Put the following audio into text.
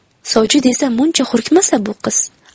sovchi desa muncha hurkmasa bu qiz